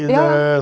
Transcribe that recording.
ja.